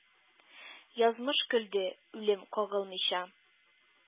Язмыш көлде, үлем, кагылмыйча,